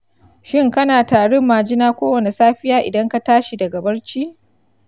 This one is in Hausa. shin kana tarin majina kowane safiya idan ka tashi daga barci?